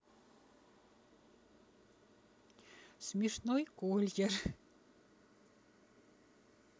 смешной кольер